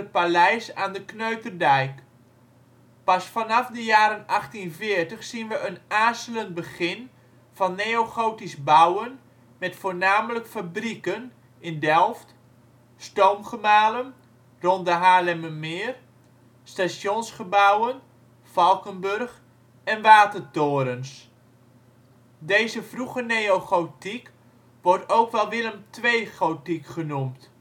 paleis aan de Kneuterdijk. Pas vanaf de jaren 1840 zien we een aarzelend begin van neogotisch bouwen met voornamelijk fabrieken (in Delft), stoomgemalen (rond de Haarlemmermeer), stationsgebouwen (Valkenburg) en watertorens. Deze vroege neogotiek wordt ook wel Willem II-gotiek genoemd